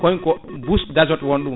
konko bouche d' azote woni ɗum